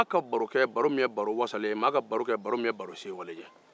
maa ka baro kɛ baro min ye baro sewalen ni baro wasalen ye